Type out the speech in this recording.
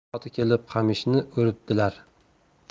vaqti soati kelib qamishni o'ribdilar